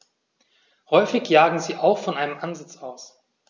Häufig jagen sie auch von einem Ansitz aus.